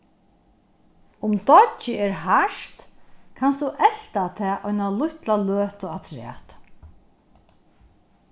um deiggið er hart kanst tú elta tað eina lítla løtu afturat